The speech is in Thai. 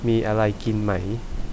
มีอะไรกินไหม